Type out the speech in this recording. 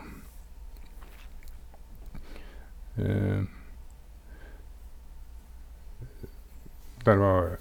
Der var...